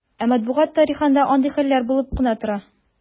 Ә матбугат тарихында андый хәлләр булып кына тора.